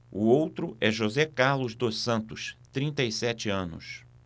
o outro é josé carlos dos santos trinta e sete anos